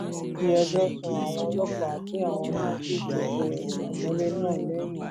Ó fi ẹjọ́ sùn àwọn ọlọ́pàá tí àwọn náà sí ṣètò ìtìmọ́lé náà lẹ́yìnwá.